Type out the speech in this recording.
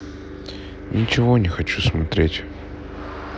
ничего не хочу смотреть